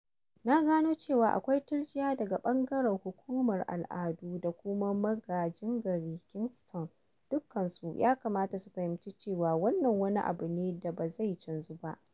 Na gano cewa akwai tirjiya daga ɓangaren Hukumar Al'adu da kuma Magajin Garin Kingston. Dukkansu ya kamata su fahimci cewa wannan wani abu ne da ba zai canju ba.